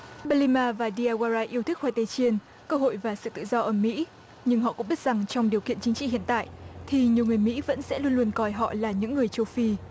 pa li ma và vi a goa ra yêu thích khoai tây chiên cơ hội và sự tự do ở mỹ nhưng họ cũng biết rằng trong điều kiện chính trị hiện tại thì nhiều người mỹ vẫn sẽ luôn luôn coi họ là những người châu phi